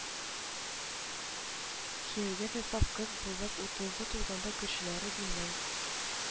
Кияүгә дә саф кыз булып, утызы тулганда күршеләре димләү